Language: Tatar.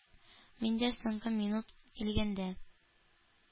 Мин дә соңгы минут килгәндә,